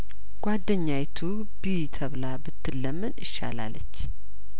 ጓደኛ ዪቱብ እዪ ተብላ ብትለመን እሺ አላለች